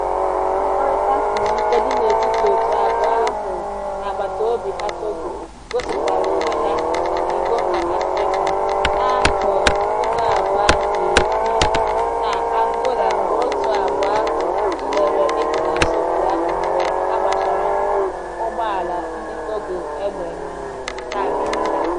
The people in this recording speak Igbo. Mmekọrịta siri ike dị n'etiti òtù abụọ ahụ na agbataobi ha Togo gosịpụtara onwe ya n'Iko Mba Afrịka na 2010 na Angola mgbe òtù abụọ ahụ tụlere ịpụ n'asọmpi ahụ mgbe a gbachara ụgbọala ndị Togo egbe na Cabinda.